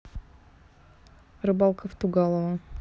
рыбалка в тугалова